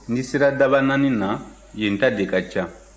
n'i sera dabanaani na yen ta de ka ca